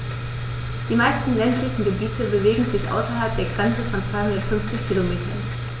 Die meisten ländlichen Gebiete bewegen sich außerhalb der Grenze von 250 Kilometern.